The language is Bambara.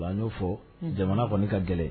Y'o fɔ jamana kɔni ka gɛlɛn